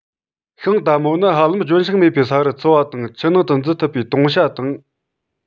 ཤིང རྟ མོ ནི ཧ ལམ ལྗོན ཤིང མེད པའི ས རུ འཚོ བ དང ཆུ ནང དུ འཛུལ ཐུབ པའི དུང བྱ དང